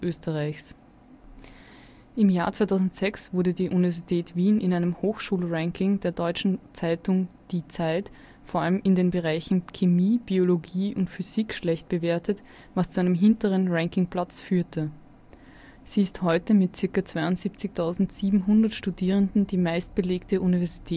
Österreichs. Im Jahr 2006 wurde die Universität Wien in einem Hochschul-Ranking der deutschen Zeitung „ Die Zeit “, vor allem in den Bereichen Chemie, Biologie und Physik, schlecht bewertet, was zu einem hinteren Ranking-Platz führte. Sie ist heute mit ca. 72.700 Studierenden die meistbelegte Universität